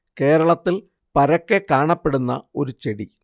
കേരളത്തിൽ പരക്കെ കാണപ്പെടുന്ന ഒരു ചെടി